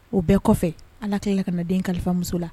O bɛɛ kɔfɛ Ala tila ka na den kalifa muso